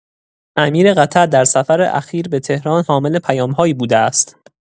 امیر قطر در سفر اخیر به تهران حامل پیام‌هایی بوده است.